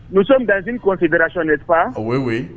Muso kɔfi bɛrati de fa o ye wele